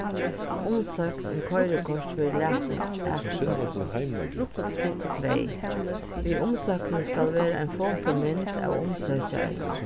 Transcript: umsókn um koyrikort verður latin akstovuni stykki tvey við umsóknini skal vera ein fotomynd av umsøkjaranum